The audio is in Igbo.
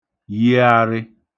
yiarị